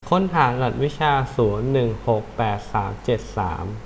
ค้นหารหัสวิชาศูนย์หนึ่งหกแปดสามเจ็ดสาม